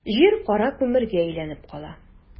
Җир кара күмергә әйләнеп кала.